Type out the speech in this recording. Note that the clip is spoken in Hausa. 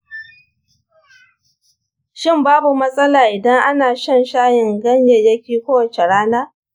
shin babu matsala idan ana shan shayin ganyayyaki kowace rana?